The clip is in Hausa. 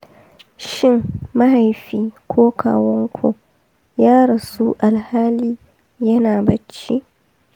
shin mahaifi ko kawun ku ya rasu alhali ya na bacci?